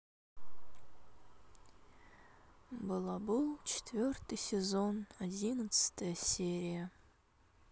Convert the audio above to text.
балабол четвертый сезон одиннадцатая серия